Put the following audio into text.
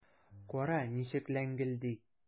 Кара, ничек ләңгелди!